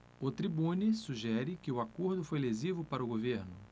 o tribune sugere que o acordo foi lesivo para o governo